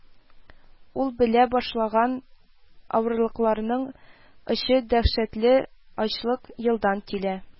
Ул белә башлаган авырлыкларның очы дәһшәтле ачлык елдан килә